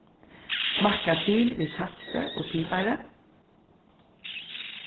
smakka til við salti og pipari